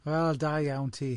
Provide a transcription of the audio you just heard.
Wel, da iawn ti.